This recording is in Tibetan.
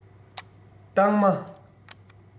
སྟག མ